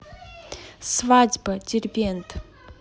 свадьба дербент